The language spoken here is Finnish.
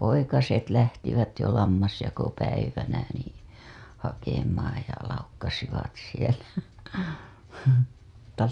poikaset lähtivät jo lammasjakopäivänä niin hakemaan ja laukkasivat siellä -